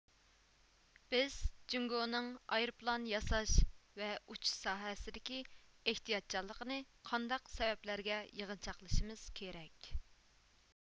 بىز جوڭگونىڭ ئايروپىلان ياساش ۋە ئۇچۇش ساھەسىدىكى ئېھتىياتچانلىقىنى قانداق سەۋەبلەرگە يىغىنچاقلىشىمىز كېرەك